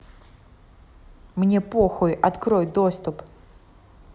мне похуй открой доступ